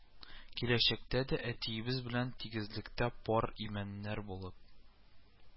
Киләчәктә дә әтиебез белән тигезлектә пар имәннәр булып